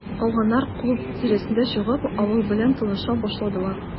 Калганнар, клуб тирәсенә чыгып, авыл белән таныша башладылар.